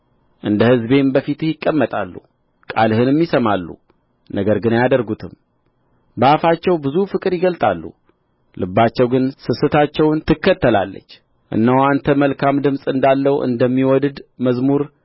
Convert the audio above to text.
እንደ ሕዝቤም በፊትህ ይቀመጣሉ ቃልህንም ይሰማሉ ነገር ግን አያደርጉትም በአፋቸው ብዙ ፍቅር ይገልጣሉ ልባቸው ግን ስስታቸውን ትከተላለች እነሆ አንተ መልካም ድምፅ እንዳለው እንደሚወደድ መዝሙር